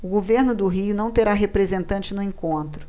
o governo do rio não terá representante no encontro